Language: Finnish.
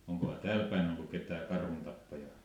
onkohan täälläpäin ollut ketään karhuntappajaa